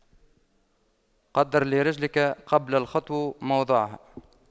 قَدِّرْ لِرِجْلِكَ قبل الخطو موضعها